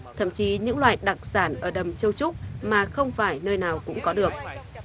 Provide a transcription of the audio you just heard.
thậm chí những loài đặc sản ở đầm châu trúc mà không phải nơi nào cũng có được